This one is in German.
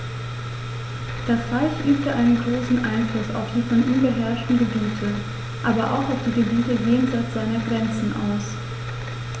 Das Reich übte einen großen Einfluss auf die von ihm beherrschten Gebiete, aber auch auf die Gebiete jenseits seiner Grenzen aus.